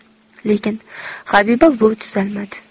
lekin habiba buvi tuzalmadi